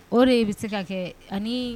O de bɛ se ka kɛ ani